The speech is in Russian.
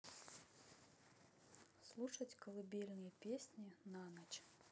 слушать колыбельные песни на ночь